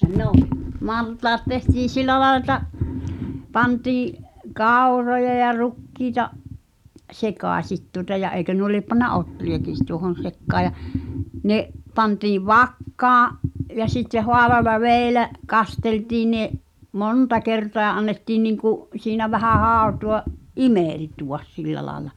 no maltaat tehtiin sillä lailla että pantiin kauroja ja rukiita sekaisin tuota ja eikö nuo lie pannut ohriakin tuohon sekaan ja ne pantiin vakkaan ja sitten huolella vielä kasteltiin ne monta kertaa ja annettiin niin kuin siinä vähän hautua imeltyä sillä lailla